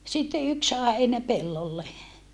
sitten yksi sai heinäpellolle